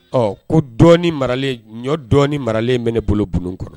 Ɔ ko dɔɔnin maralen ɲɔ dɔɔnin maralen bɛ ne bolo bulon kɔnɔ.